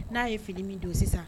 N'a ye fili min don sisan